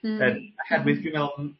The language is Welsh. Hmm. Yr... oherwydd dwi me'wl m-